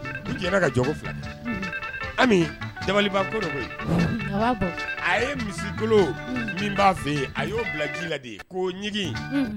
U jɛra ka jago filɛ ami ja ko a ye misikolo min' fɛ yen a y'o bilaji la de ye ko ɲɛigin